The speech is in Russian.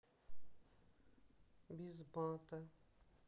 без мата